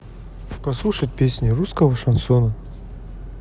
послушать песни русского шансона